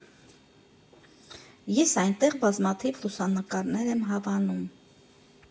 Ես այնտեղ բազմաթիվ լուսանկարներ եմ հավանում»։